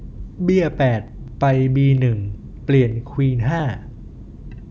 เบี้ยแปดไปบีหนึ่งเปลี่ยนควีนห้า